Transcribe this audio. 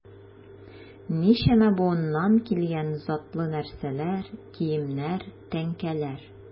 Ничәмә буыннан килгән затлы нәрсәләр, киемнәр, тәңкәләр...